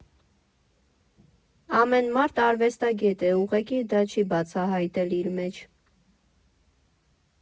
Ամեն մարդ արվեստագետ է, ուղղակի դա չի բացահայտել իր մեջ։